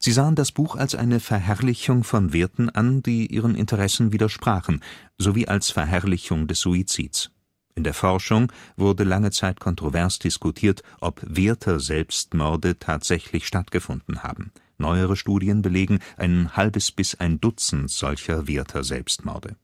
sahen das Buch als eine Verherrlichung von Werten an, die ihren Interessen widersprachen, sowie als Verherrlichung des Suizids. In der Forschung wurde lange Zeit kontrovers diskutiert, ob Werther-Selbstmorde tatsächlich stattgefunden haben. Neuere Studien belegen ein halbes bis ein Dutzend solcher Werther-Selbstmorde